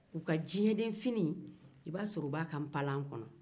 a ka dijɲɛdenfini i b'a sɔrɔ o b'a ka npalan kɔnɔ